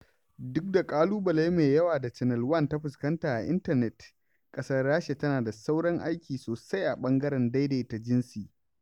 Duk da ƙalubale mai yawa da Channel One ta fuskanta a intanet, ƙasar Rasha tana da sauran aiki sosai a ɓangaren daidaita jinsi.